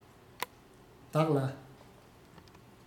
བདག ལ